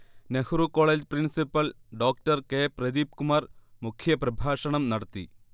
Nehru college principal Dr K Pradeepkumar മുഖ്യപ്രഭാഷണം നടത്തി